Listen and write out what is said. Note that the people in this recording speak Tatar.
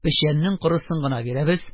Печәннең корысын гына бирәбез,